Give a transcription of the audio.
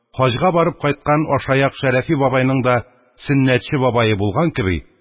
Хаҗга барып кайткан ашаяк шәрәфи бабайның да сөннәтче бабае булган кеби,